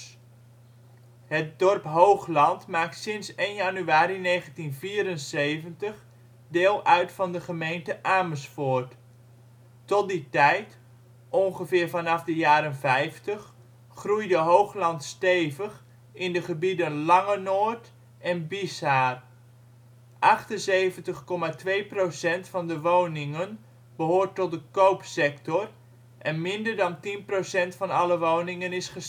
dorp Hoogland maakt sinds 1 januari 1974 deel uit van de gemeente Amersfoort. Tot die tijd, ongeveer vanaf de jaren vijftig, groeide Hoogland stevig in de gebieden Langenoord en Bieshaar. 78,2 % van de woningen behoort tot de koopsector en minder dan 10 % van alle woningen is